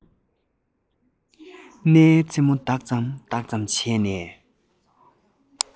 སྣའི རྩེ མོ ལྡག ཙམ ལྡག ཙམ བྱས ནས